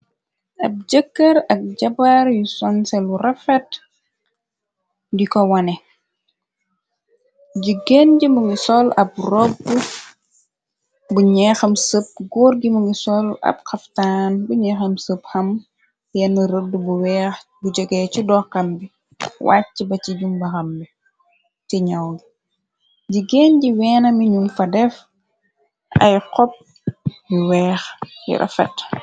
Ab jëkkër ak jabaar yu sanse lu rafet di ko wane jigenji mu ngi sol ab ropp bu ñeexam sëb góur gi mu ngi sol ab xaftaan bu ñeexam sëp xam yenn rëdd bu weex bu jegee ci doxam bi wàcc ba ci jumbaxamb ci ñaw gi jigen ji weena minun fa def ay xob bu weex rafet.